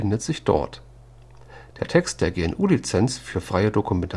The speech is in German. als grundlegende Neuerung